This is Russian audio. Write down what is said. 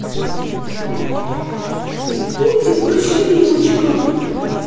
мультик про щеночка